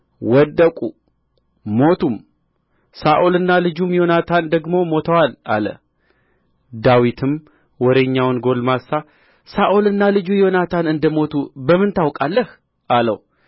ወደቁ ሞቱም ሳኦልና ልጁም ዮናታን ደግሞ ሞተዋል አለ ዳዊትም ወሬኛውን ጕልማሳ ሳኦልና ልጁ ዮናታን እንደ ሞቱ በምን ታውቃለህ አለው